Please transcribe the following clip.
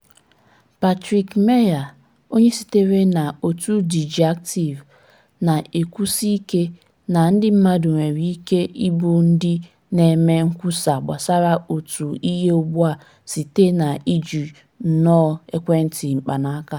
Patrick Meier, onye sitere na otu DigiActive, na-ekwusike na ndị mmadụ nwere ike ịbụ ndị na-eme nkwusa gbasara otu ihe ugbu a site na iji nnọọ ekwentị mkpanaaka.